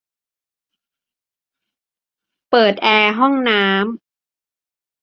เปิดแอร์ห้องน้ำ